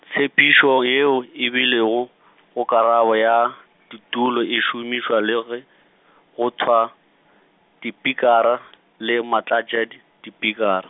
tshepišo eo ebilego, go karabo ya, ditulo e šomišwa le ge, go thwa-, dipikara le ma tlatša dipikara.